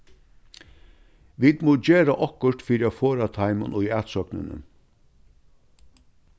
vit mugu gera okkurt fyri at forða teimum í atsóknini